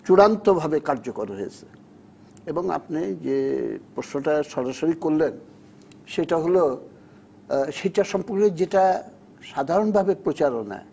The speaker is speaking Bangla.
একেবারে চূড়ান্তভাবে কার্যকর হয়েছে এবং আপনি যে সরাসরি করলেন সেটা হল সেটা সম্পর্কে যেটা সাধারণভাবে প্রচারণায়